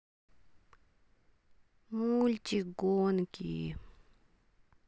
мультик гонки